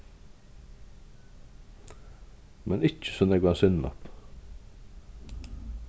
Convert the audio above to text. men ikki so nógvan sinnop